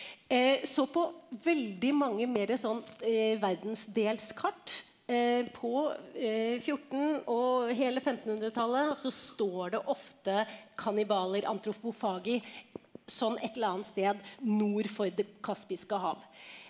så på veldig mange mere sånn verdensdelskart på fjorten- og hele femtenhundretallet så står det ofte kannibaler, sånn et eller annet sted nord for Det kaspiske hav.